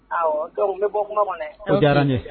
Aw dɔnku n bɛ bɔ kuma kɔnɔ an diyara n ye